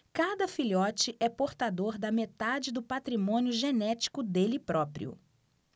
cada filhote é portador da metade do patrimônio genético dele próprio